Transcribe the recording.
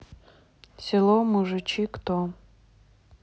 село мужичи кто